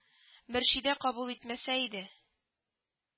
Мөршидә кабул итмәсә иде